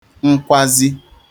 nkwazi